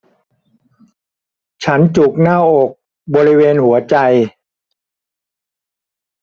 ฉันจุกหน้าอกบริเวณหัวใจ